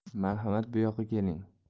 marhamat buyoqqa keling